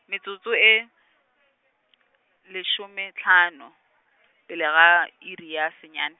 metsotso e , lesomehlano, pele ga iri senyan-.